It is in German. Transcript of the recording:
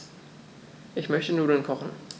Ich möchte Nudeln kochen.